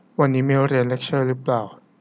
วันนี้มีเรียนเลคเชอร์รึป่าว